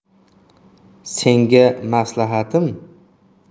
senga maslahatim